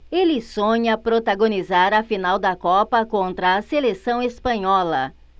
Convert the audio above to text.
ele sonha protagonizar a final da copa contra a seleção espanhola